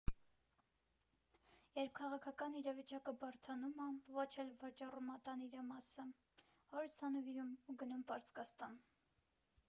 Երբ քաղաքական իրավիճակը բարդանում ա, ոչ էլ վաճառում ա տան իրա մասը, հորս ա նվիրում ու գնում Պարսկաստան։